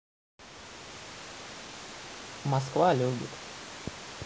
москва любит